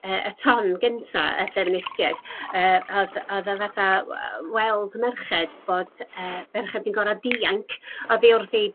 yy y ton gynta yy ffeministiaeth yy a o'dd a o'dd o fathat we- weld merched bod yy ferchad yn gor'o' dianc oddi wrth 'i